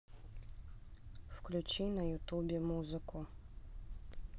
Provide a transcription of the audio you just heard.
включи на ютубе музыку